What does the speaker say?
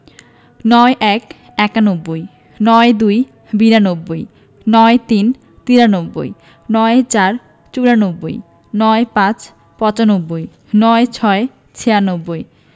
৯১ - একানব্বই ৯২ - বিরানব্বই ৯৩ - তিরানব্বই ৯৪ – চুরানব্বই ৯৫ - পচানব্বই ৯৬ - ছিয়ানব্বই